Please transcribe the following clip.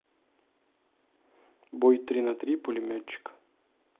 бой три на три пулеметчик